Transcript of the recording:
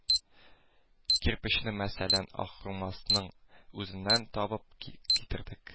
Кирпечне мәсәлән архумасның үзеннән табып кил китердек